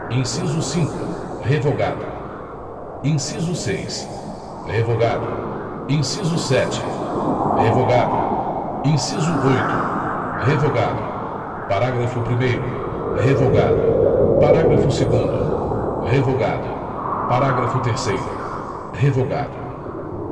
inciso cinco revogado inciso seis revogado inciso sete revogado inciso oito revogado parágrafo primeiro revogado parágrafo segundo revogado parágrafo terceiro revogado